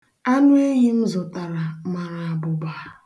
Anuehi m zụtara mara abụba.